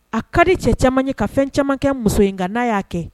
A ka di cɛ caman ye ka fɛn caman kɛ muso nka n'a y'a kɛ